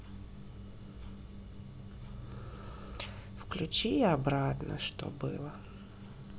включи обратно что было